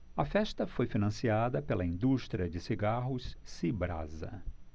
a festa foi financiada pela indústria de cigarros cibrasa